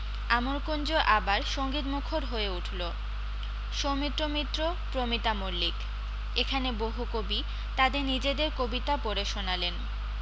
আমরকূঞ্জ আবার সংগীতমুখর হয়ে উঠল সৌমিত্র মিত্র প্রমিতা মল্লিক এখানে বহু কবি তাদের নিজেদের কবিতা পড়ে শোনালেন